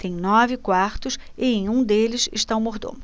tem nove quartos e em um deles está o mordomo